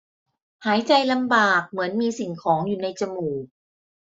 หายใจลำบากเหมือนมีสิ่งของอยู่ในจมูก